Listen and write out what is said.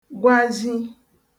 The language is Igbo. gwazhi